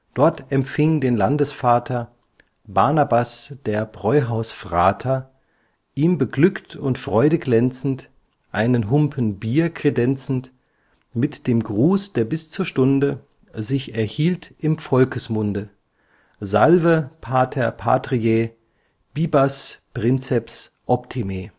Dort empfing den Landesvater / Barnabas, der Bräuhausfrater, ihm beglückt und freudeglänzend / einen Humpen Bier kredenzend mit dem Gruß, der bis zur Stunde / sich erhielt im Volkesmunde: „ Salve, pater patriae! / Bibas, princeps optime